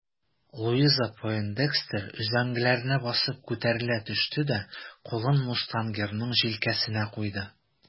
Луиза Пойндекстер өзәңгеләренә басып күтәрелә төште дә кулын мустангерның җилкәсенә куйды.